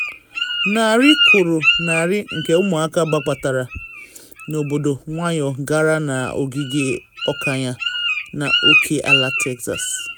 Narị Kwụrụ Narị nke Ụmụaka Gbabatara N’obodo Nwayọ Gara na Ogige Akanya na Oke Ala Texas